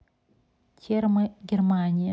термы германия